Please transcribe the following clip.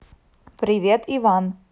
привет иван